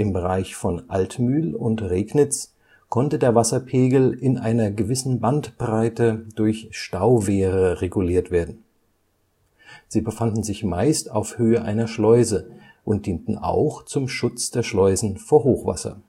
Bereich von Altmühl und Regnitz konnte der Wasserpegel in einer gewissen Bandbreite durch Stauwehre reguliert werden. Sie befanden sich meist auf Höhe einer Schleuse und dienten auch zum Schutz der Schleusen vor Hochwasser